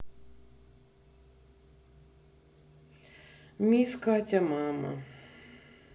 мисс катя мама